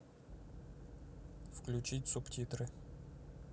включить субтитры